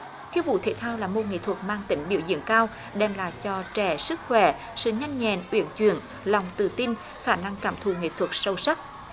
khiêu vũ thể thao là môn nghệ thuật mang tính biểu diễn cao đem lại cho trẻ sức khỏe sự nhanh nhẹn uyển chuyển lòng tự tin khả năng cảm thụ nghệ thuật sâu sắc